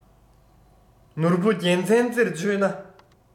ནོར བུ རྒྱལ མཚན རྩེར མཆོད ན